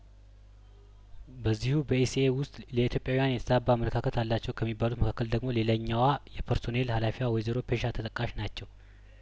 በዚሁ በኢሲኤ ውስጥ ለኢትዮጵያውያን የተዛባ አመለካከት አላቸው ከሚባሉት መካከል ደግሞ ሌላኛዋ የፐርሶኔል ሀላፊዋ ወይዘሮ ፔሻ ተጠቃሽ ናቸው